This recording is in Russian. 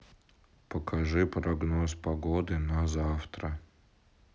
покажи прогноз погоды на завтра